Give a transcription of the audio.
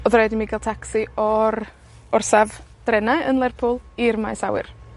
odd raid i mi ga'l tacsi o'r orsaf drenau yn Lerpwl i'r maes awyr.